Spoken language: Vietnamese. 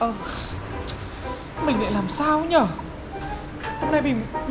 ơ mình lại làm sao ấy nhờ hôm nay mình bị